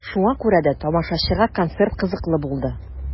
Шуңа күрә дә тамашачыга концерт кызыклы булды.